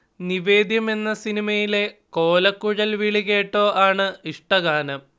നിവേദ്യം എന്ന സിനിമയിലെ കോലക്കുഴൽവിളി കേട്ടോ ആണ് ഇഷ്ടഗാനം